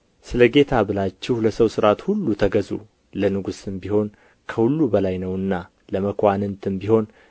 ስለ ጌታ ብላችሁ ለሰው ሥርዓት ሁሉ ተገዙ ለንጉሥም ቢሆን ከሁሉ በላይ ነውና ለመኳንንትም ቢሆን